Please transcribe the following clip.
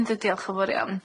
Yndw diolch yn fowr iawn.